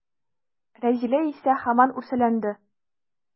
Рәзилә исә һаман үрсәләнде.